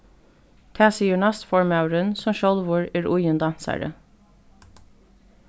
tað sigur næstformaðurin sum sjálvur er íðin dansari